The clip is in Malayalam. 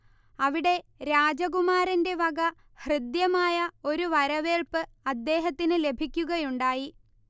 അവിടെ രാജകുമാരന്റെ വക ഹൃദ്യമായ ഒരു വരവേൽപ്പ് അദ്ദേഹത്തിന് ലഭിക്കുകയുണ്ടായി